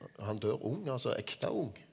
han dør ung altså ekte ung.